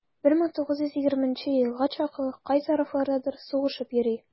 1920 елга чаклы кай тарафлардадыр сугышып йөри.